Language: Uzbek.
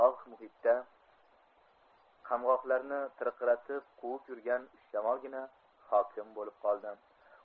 oq muhitda qamg'oqlarni tirqiratib quvib yurgan shamolgina hokim bolib qoldi